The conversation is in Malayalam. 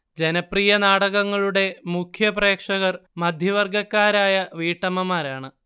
ജനപ്രിയ നാടകങ്ങളുടെ മുഖ്യ പ്രേക്ഷകർ മധ്യവർഗക്കാരായ വീട്ടമ്മമാരാണ്